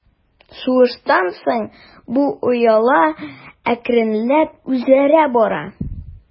Сугыштан соң бу йола әкренләп үзгәрә бара.